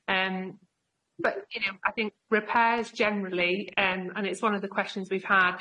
Yym but you know, repairs generally yym and it's one of the questions we've had.